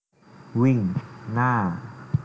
วิ่งหน้า